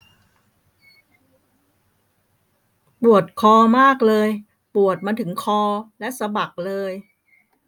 ปวดคอมากเลยปวดมาถึงคอและสะบักเลย